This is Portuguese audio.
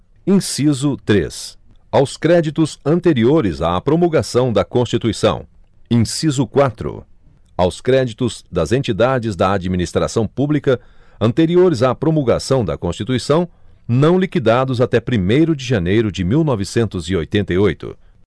inciso três aos créditos anteriores à promulgação da constituição inciso quatro aos créditos das entidades da administração pública anteriores à promulgação da constituição não liquidados até primeiro de janeiro de mil novecentos e oitenta e oito